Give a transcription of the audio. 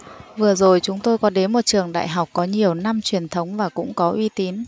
vừa rồi chúng tôi có đến một trường đại học có nhiều năm truyền thống và cũng có uy tín